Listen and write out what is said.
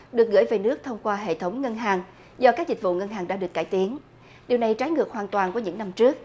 được gửi về nước thông qua hệ thống ngân hàng do các dịch vụ ngân hàng đã được cải tiến điều này trái ngược hoàn toàn của những năm trước